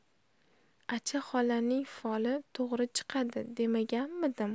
acha xolaning foli to'g'ri chiqadi demaganmidim